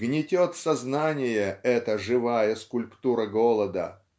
Гнетет сознание эта живая скульптура голода.